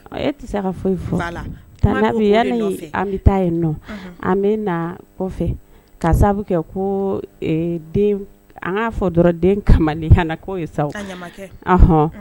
E tɛ se ka foyi an bɛ taa yen nɔ an bɛ na kɔfɛ ka sababu kɛ ko'a fɔ dɔrɔn den kamalen ko ye saɔn